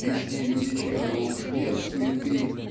лишние люди Чехова ушли от суеты